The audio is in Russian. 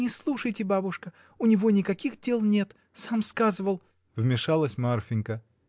не слушайте, бабушка: у него никаких дел нет. сам сказывал! — вмешалась Марфинька.